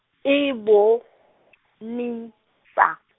ibonisa.